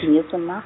ke nyetswe mma.